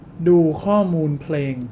ดูข้อมูลเพลง